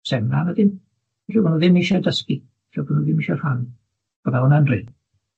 seminar na dim, felly ma' nw ddim isie dysgu, fel bo' nw ddim isie rhan, bydda hwnna'n drud.